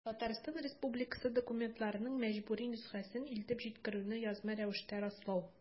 Татарстан Республикасы документларының мәҗбүри нөсхәсен илтеп җиткерүне язма рәвештә раслау.